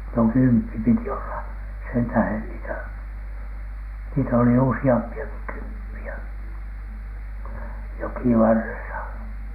no kymppi piti olla sen tähden niitä niitä oli useampiakin kymppejä jokivarressa